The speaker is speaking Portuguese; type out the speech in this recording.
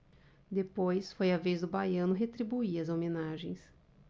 depois foi a vez do baiano retribuir as homenagens